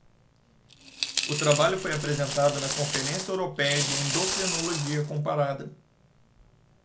o trabalho foi apresentado na conferência européia de endocrinologia comparada